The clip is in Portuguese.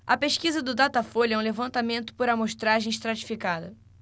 a pesquisa do datafolha é um levantamento por amostragem estratificada